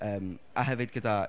Yym, a hefyd gyda...